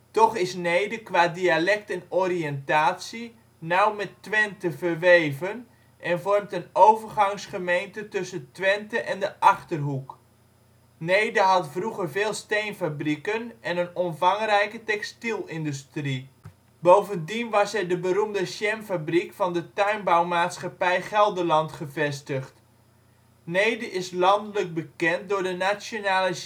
Toch is Neede qua dialect en oriëntatie nauw met Twente verweven en vormt een overgangsgemeente tussen Twente en de Achterhoek. Neede had vroeger veel steenfabrieken en een omvangrijke textielindustrie. Bovendien was er de beroemde jamfabriek van de Tuinbouwmaatschappij " Gelderland " gevestigd. Neede is landelijk bekend door de Nationale